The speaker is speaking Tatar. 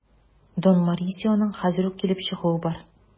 Дон Морисионың хәзер үк килеп чыгуы бар.